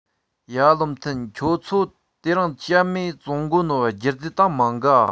ཡ བློ མཐུན ཁྱོད ཚོ དེ རིང བཤམས མས བཙོང གོ ནོ རྒྱུ རྫས ད མང ག